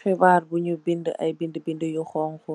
Xibaar buñ binduh, binduh binduh yu xonxo